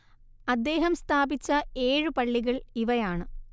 അദ്ദേഹം സ്ഥാപിച്ച ഏഴു പള്ളികൾ ഇവയാണ്